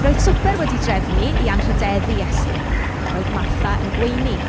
Roedd swper wedi'i drefnu i anrhyddeddu Iesu. Roedd Martha yn gweini.